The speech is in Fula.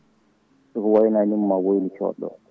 soko woynanima ma woynu coɗɗo o